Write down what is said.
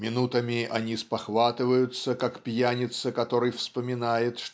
"минутами они спохватываются как пьяница который вспоминает